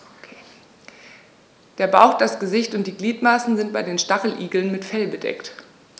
Der Bauch, das Gesicht und die Gliedmaßen sind bei den Stacheligeln mit Fell bedeckt.